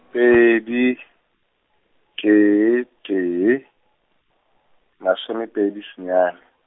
pedi, tee tee, masome pedi senyane.